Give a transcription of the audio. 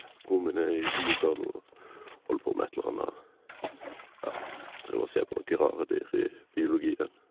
Bror min er i USA nå og holder på med et eller anna, ja, driver og ser på noen rare dyr i biologien.